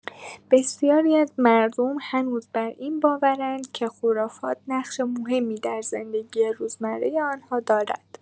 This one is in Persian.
بسیاری از مردم هنوز بر این باورند که خرافات نقش مهمی در زندگی روزمره آنها دارد.